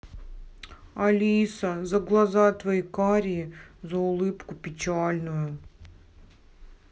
алиса за глаза твои карие за улыбку печальную